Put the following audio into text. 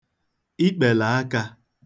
ikpèlèakā